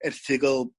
erthygl